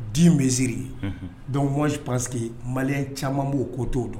Di bɛ ziiriri dɔn wasi pa que mali caman b'o ko'o dɔn